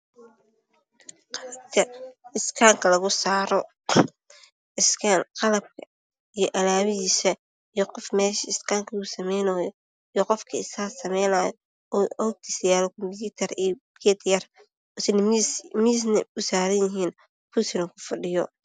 Qalbak iskaanta lgu saaro iskaan iyo alaabahisa iskan iyo qalbkiisa iyo qof mesha iskanka lgu sameynoyo ag tagan